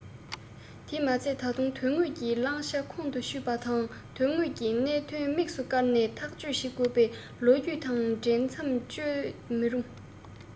དེས མ ཚད ད དུང དོན དངོས ཀྱི བླང བྱ ཁོང དུ ཆུད པ ད དོན དངོས ཀྱི གནད དོན དམིགས སུ བཀར ནས ཐག གཅོད བྱེད དགོས པ ལས ལོ རྒྱུས དང འ བྲེལ མཚམས གཅོད མི རུང